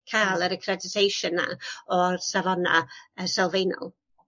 ca'l yr accreditation 'na o'r safona' yy sylfaenol.